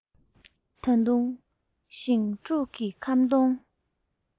ད དུང ཞིང སྦུག གི ཁམ སྡོང